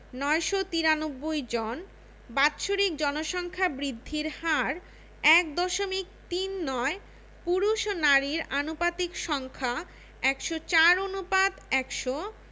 ৯৯৩ জন বাৎসরিক জনসংখ্যা বৃদ্ধির হার ১দশমিক তিন নয় পুরুষ ও নারীর আনুপাতিক সংখ্যা ১০৪ অনুপাত ১০০